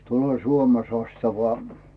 tulee Suomen sastava